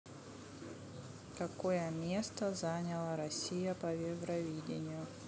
какое место заняла россия по евровидению